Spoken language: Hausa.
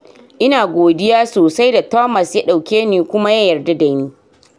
Ina godiya sosai da Thomas ya dauke ni kuma ya yarda da ni.